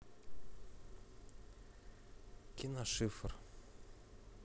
кино шифр